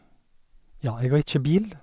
Ja, jeg har ikke bil.